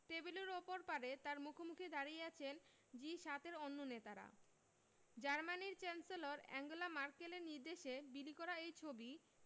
টেবিলের অপর পারে তাঁর মুখোমুখি দাঁড়িয়ে আছেন জি ৭ এর অন্য নেতারা জার্মানির চ্যান্সেলর আঙ্গেলা ম্যার্কেলের নির্দেশে বিলি করা এই ছবি